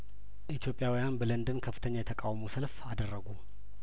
ኢትዮጵያውያን በለንደን ከፍተኛ የተቃውሞ ሰልፍ አደረጉ